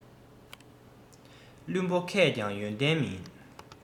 བླུན པོ མཁས ཀྱང ཡོན ཏན མིན